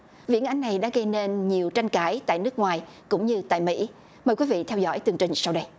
viễn ảnh này đã gây nên nhiều tranh cãi tại nước ngoài cũng như tại mỹ mời quý vị theo dõi tường trình sau đây